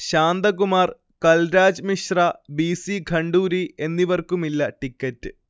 Shantakumar, Kalraj Mishra, B. C Khanduri എന്നിവർക്കുമില്ല ticket